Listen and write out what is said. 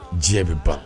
Diɲɛ bɛ ban